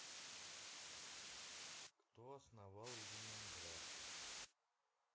кто основал ленинград